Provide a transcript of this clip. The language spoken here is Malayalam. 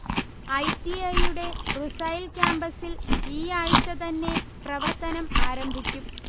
ഐ. ടി. ഐ യുടെ റുസൈൽ ക്യാപസിൽ ഈയാഴ്ച്ച തന്നെ പ്രവർത്തനം ആരംഭിക്കും